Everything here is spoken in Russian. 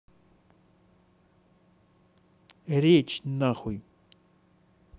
речь нахуй